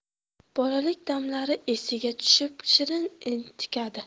bolalik damlari esiga tushib shirin entikadi